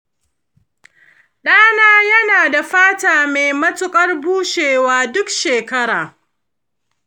ɗana yana da fata mai matuƙar bushewa duk shekara.